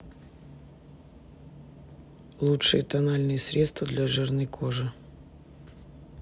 лучшие тональные средства для жирной кожи